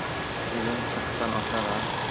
bugun qirqdan oshar a